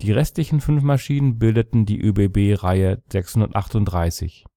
restlichen fünf Maschinen bildeten die ÖBB Reihe 638